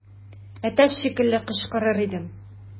Әтәч шикелле кычкырыр идем.